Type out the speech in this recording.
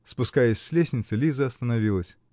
Спускаясь с лестницы, Лиза остановилась.